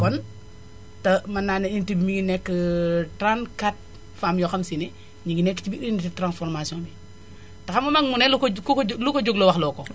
kon mën naa ne unité bi mi ngi nekk 34 femmes yoo xam si ne ñi ngi nekk ci biir unité transformation bi te xam nga mag mu ne lu ko ku ko lu ko jóg loo wax loo ko